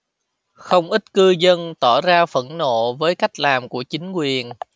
không ít cư dân tỏ ra phẫn nộ với cách làm của chính quyền